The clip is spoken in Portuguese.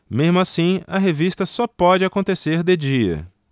mesmo assim a revista só pode acontecer de dia